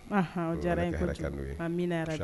Diyara